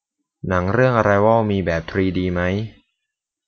หนังเรื่องอะไรวอลมีแบบทรีดีมั้ย